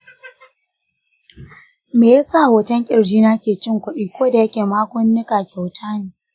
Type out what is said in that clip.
me yasa hoton kirji na ke cin kuɗi ko da yake magunguna kyauta ne?